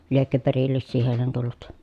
liekö perillisiä heille tullut